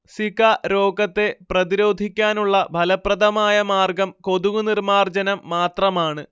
Zika രോഗത്തെ പ്രതിരോധിക്കാനുള്ള ഫലപ്രദമായ മാർഗ്ഗം കൊതുകുനിർമ്മാർജ്ജനം മാത്രമാണ്